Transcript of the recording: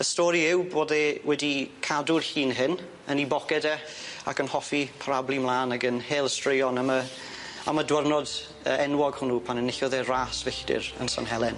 Y stori yw bod e wedi cadw'r llun hyn yn 'i boced e ac yn hoffi parablu mlan ag yn hel straeon am y am y dwyrnod yy enwog hwnnw pan enillodd e ras filltir yn San Helen.